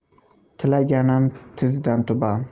tilaganim tizdan tuban